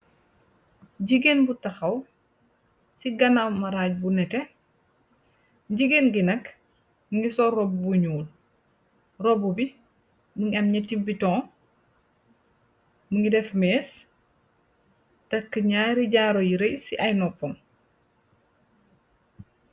Jigeen bu taxaw si kanaw marag bu neteh jigeen gi nak mogi sol roba bu nuul roba bi mogi am neeti beton mogi def mess taka naari jaaru u reey si ay nopam.